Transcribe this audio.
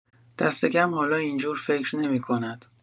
دست‌کم حالا این‌جور فکر نمی‌کند.